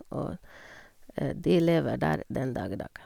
Og de lever der den dag i dag.